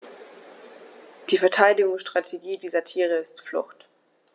Die Verteidigungsstrategie dieser Tiere ist Flucht.